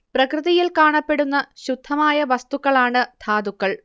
പ്രകൃതിയിൽ കാണപ്പെടുന്ന ശുദ്ധമായ വസ്തുക്കളാണ് ധാതുക്കൾ